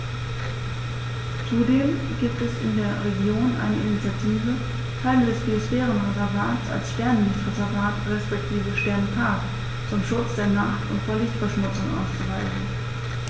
Zudem gibt es in der Region eine Initiative, Teile des Biosphärenreservats als Sternenlicht-Reservat respektive Sternenpark zum Schutz der Nacht und vor Lichtverschmutzung auszuweisen.